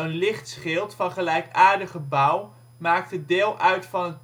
licht schild van gelijkaardige bouw maakte deel uit van